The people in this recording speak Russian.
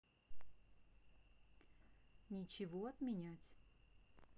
ничего отменять